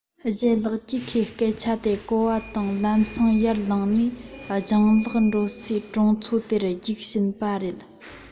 ལྗད ལགས ཀྱིས ཁོའི སྐད ཆ དེ གོ བ དང ལམ སེང ཡར ལངས ནས སྤྱང ལགས འགྲོ སའི གྲོང ཚོ དེར རྒྱུགས ཕྱིན པ རེད